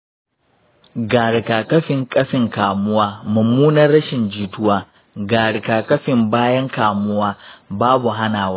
ga rigakafin kafin kamuwa: mummunar rashin jituwa. ga rigakafin bayan kamuwa: babu hanawa.